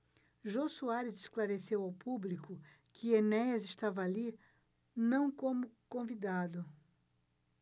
jô soares esclareceu ao público que enéas estava ali não como convidado